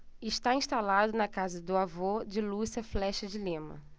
está instalado na casa do avô de lúcia flexa de lima